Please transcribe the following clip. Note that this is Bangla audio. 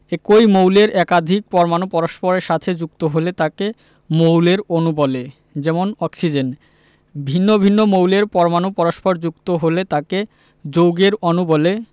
একই মৌলের একাধিক পরমাণু পরস্পরের সাথে যুক্ত হলে তাকে মৌলের অণু বলে যেমন অক্সিজেন ভিন্ন ভিন্ন মৌলের পরমাণু পরস্পর যুক্ত হলে তাকে যৌগের অণু বলে